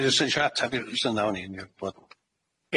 Dwi jys yn isio ateb i'r sy'n dda o'n i'n gwbod.